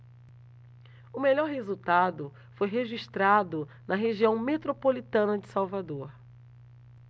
o melhor resultado foi registrado na região metropolitana de salvador